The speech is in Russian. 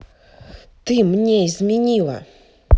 ты мне изменила